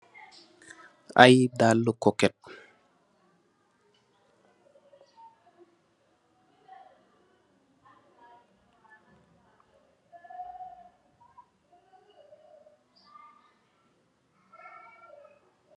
Aye daalu koket.